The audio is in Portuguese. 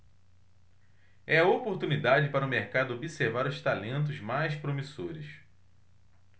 é a oportunidade para o mercado observar os talentos mais promissores